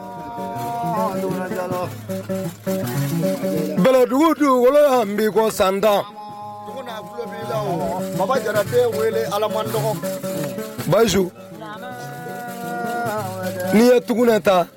San tan babaz n'i ye tugu ta